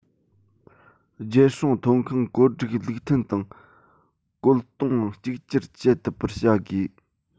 རྒྱལ སྲུང ཐོན ཁུངས བཀོད སྒྲིག ལུགས མཐུན དང བཀོད གཏོང གཅིག གྱུར བྱེད ཐུབ པ བྱ དགོས